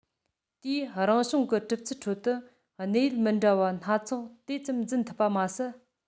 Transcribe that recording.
དེས རང བྱུང གི གྲུབ ཚུལ ཁྲོད དུ གནས ཡུལ མི འདྲ བ སྣ ཚོགས དེ ཙམ འཛིན ཐུབ པ མ ཟད